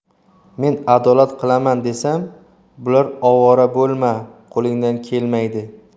men adolat qilaman desam bular ovora bo'lma qo'lingdan kelmaydi